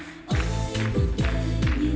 thơ chưa vương sầu